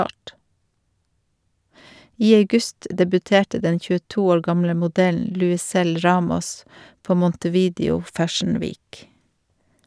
I august debuterte den 22 år gamle modellen Luisel Ramos på Montevideo Fashion Week.